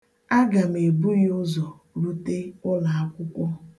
Aga m ebu ya ụzọ rute ụlọakwụkwọ